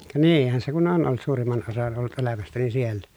ka niinhän se kun on ollut suurimman osan ollut elämästäni siellä